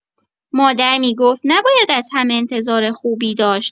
مادر می‌گفت نباید از همه انتظار خوبی داشت.